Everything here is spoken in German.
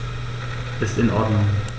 Ist in Ordnung.